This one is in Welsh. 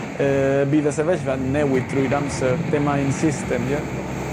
yy bydd y sefyllfa'n newid drwy'r amser dema ein system ie?